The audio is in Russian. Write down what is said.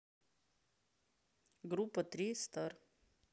группа три стар